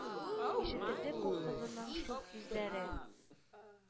Ишетелде күк кызының шул сүзләре: